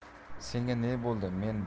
senga ne bo'ldi men bir